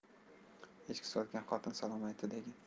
echki sotgan xotin salom aytdi degin